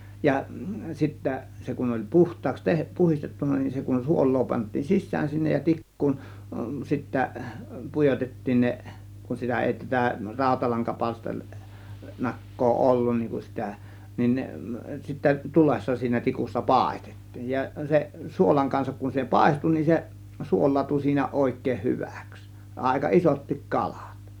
ja sitten se kun oli puhtaaksi - puhdistettu niin se kun suolaa pantiin sisään sinne ja tikkuun sitten pujotettiin ne kun sitä ei tätä - rautalankapalsternakkaa ollut niin kun sitä niin ne sitten tulessa siinä tikussa paistettiin ja se suolan kanssa kun se paistui niin se suolaantui siinä oikein hyväksi aika isotkin kalat